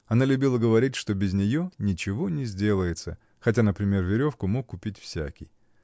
Она любила говорить, что без нее ничего не сделается, хотя, например, веревку мог купить всякий.